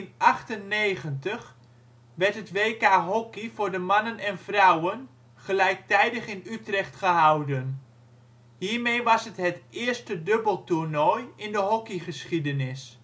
1998 werd het WK hockey voor de mannen en vrouwen gelijktijdig in Utrecht gehouden. Hiermee was het het eerste dubbeltoernooi in de hockeygeschiedenis